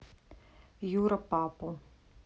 юра папу